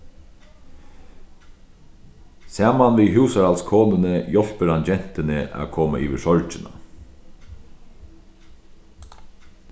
saman við húsarhaldskonuni hjálpir hann gentuni at koma yvir sorgina